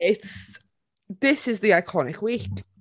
It's... this is the iconic week.